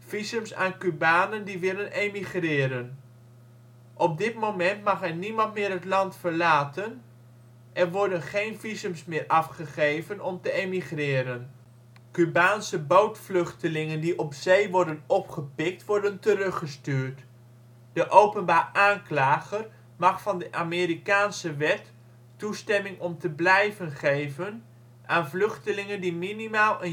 visums aan Cubanen die willen emigreren. Op dit moment mag er niemand meer het land verlaten, er worden geen visums meer afgegeven om te emigreren. Cubaanse bootvluchtelingen die op zee worden opgepikt worden teruggestuurd. De Openbaar Aanklager mag van de Amerikaanse wet toestemming om te blijven geven aan vluchtelingen die minimaal